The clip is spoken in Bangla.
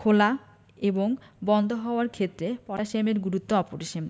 খেলা এবং বন্ধ হওয়ার ক্ষেত্রে পটাশিয়ামের গুরুত্ব অপরিসীম